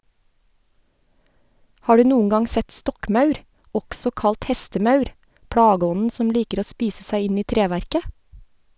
Har du noen gang sett stokkmaur, også kalt hestemaur, plageånden som liker å spise seg inn i treverket?